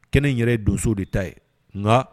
Kɛnɛ yɛrɛ ye donso de ta ye nka